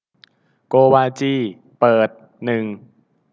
โกวาจีเปิดหนึ่ง